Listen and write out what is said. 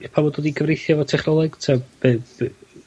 pawb yn dod i gyfreithio efo technoleg, ta ?